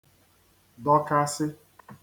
dọkasị̄